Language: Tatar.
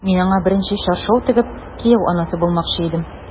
Мин аңа беренче чаршау тегеп, кияү анасы булмакчы идем...